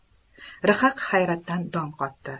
rhaq hayratdan dong qotdi